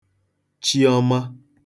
chi ọma